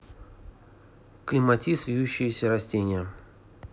клематис вьющиеся растения